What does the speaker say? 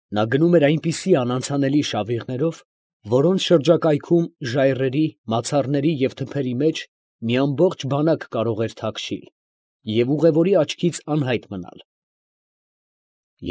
Նա գնում էր այնպիսի անանցանելի շավիղներով, որոնց շրջակայքում ժայռերի, մացառների և թփերի մեջ մի ամբողջ բանակ կարող էր թաքչիլ և ուղևորի աչքից անհայտ մնալ։